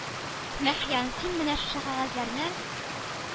Мәхьян, син менә шушы кәгазьләрне